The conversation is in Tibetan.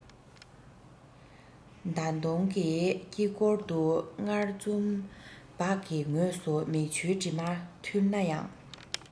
ཟླ གདོང གི དཀྱིལ འཁོར དུ སྔར འཛུམ བག གི ངོས སུ མིག ཆུའི དྲི མ འཐུལ ན ཡང